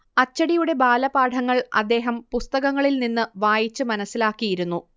അച്ചടിയുടെ ബാലപാഠങ്ങൾ അദ്ദേഹം പുസ്തകങ്ങളിൽ നിന്ന് വായിച്ച് മനസ്സിലാക്കിയിരുന്നു